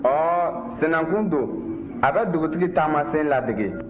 ɔhɔ sinankun don a bɛ dugutigi taamasen ladege